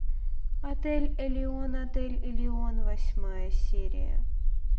отель элион отель элион восьмая серия